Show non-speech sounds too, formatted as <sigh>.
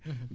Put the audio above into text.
<hesitation> <hesitation>